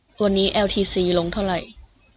วันนี้แอลทีซีลงเท่าไหร่